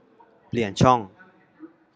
เปลี่ยนช่อง